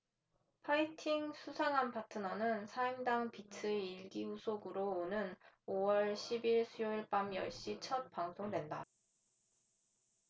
파이팅 수상한 파트너는 사임당 빛의 일기 후속으로 오는 오 월 십 일 수요일 밤 열 시 첫 방송된다